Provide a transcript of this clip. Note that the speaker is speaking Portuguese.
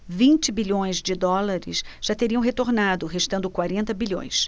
vinte bilhões de dólares já teriam retornado restando quarenta bilhões